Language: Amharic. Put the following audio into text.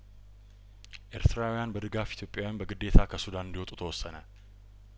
ኤርትራውያን በድጋፍ ኢትዮጵያውያን በግዴታ ከሱዳን እንዲወጡ ተወሰነ